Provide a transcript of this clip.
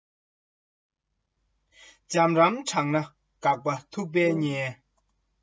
འཇམ རྩུབ བསྲེས ན ཀུན ལ འདོང ལུགས མཛོད